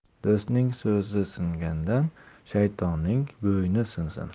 do'stning so'zi singandan shaytonning bo'yni sinsin